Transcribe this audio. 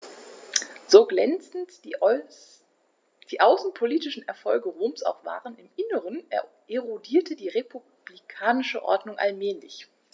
So glänzend die außenpolitischen Erfolge Roms auch waren: Im Inneren erodierte die republikanische Ordnung allmählich.